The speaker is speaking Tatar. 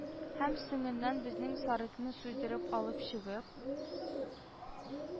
Һәм соңыннан безнең сарыкны суйдырып алып чыгып